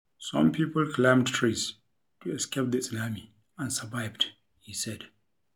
Some people climbed trees to escape the tsunami and survived, he said.